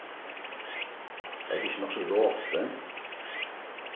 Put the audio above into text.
er tað ikki nokk so rotið